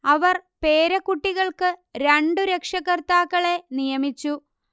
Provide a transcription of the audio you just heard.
അവർ പേരക്കുട്ടികൾക്ക് രണ്ടു രക്ഷകർത്താക്കളെ നിയമിച്ചു